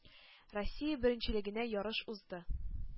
Россия беренчелегенә ярыш узды.